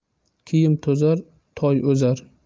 kiyim to'zar toy o'zar